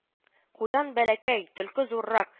Куян бәләкәй, төлке зуррак